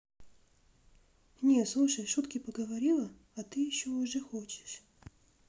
не слушай шутки поговорила а ты еще уже хочешь